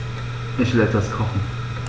Ich will etwas kochen.